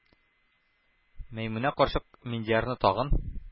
Мәймүнә карчык Миндиярны тагын